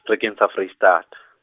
rekeng sa Vrystaat.